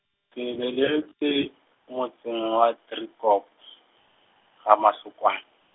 ke belegetšwe motseng wa Driekop, gaMasokwane.